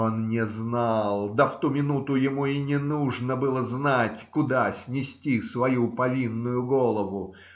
он не знал, да в ту минуту ему и не нужно было знать, куда снести свою повинную голову.